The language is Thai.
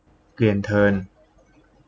เปลี่ยนเทิร์น